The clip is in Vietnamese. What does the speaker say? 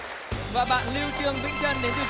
và bạn lưu trương vĩnh sơn đến